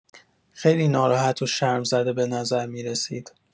خیلی ناراحت و شرم‌زده به نظر می‌رسید!